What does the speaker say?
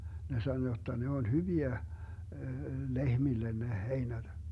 ne sanoi jotta ne oli hyviä lehmille ne heinät